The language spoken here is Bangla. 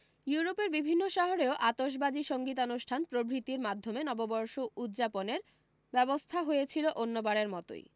ইউরোপের বিভিন্ন শহরেও আতসবাজী সঙ্গীতানুষ্ঠান প্রভৃতীর মাধ্যমে নববর্ষ উদ্যাপনের ব্যবস্থা হয়েছিলো অন্যবারের মতোই